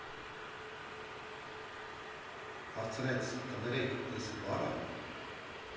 Հարցրեց՝ կներեք էս բա՞ր ա։